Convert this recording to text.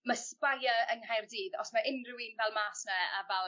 ma' Spyre yng Nghaerdydd os ma' unryw un fel mas 'na a fel